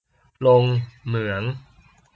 ลงเหมือง